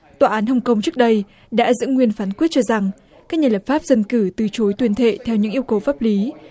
tòa án hồng công trước đây đã giữ nguyên phán quyết cho rằng các nhà lập pháp dân cử từ chối tuyên thệ theo những yêu cầu pháp lý